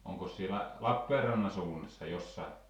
onkos siellä Lappeenrannan suunnassa jossakin